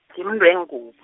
ngimumuntu wengub-.